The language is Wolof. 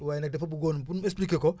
waaye nag dafa buggoon pour nga expliqué ko